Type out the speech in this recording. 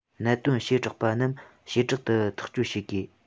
གནད དོན བྱེ བྲག པ རྣམས བྱེ བྲག ཏུ ཐག གཅོད བྱེད ཐུབ དགོས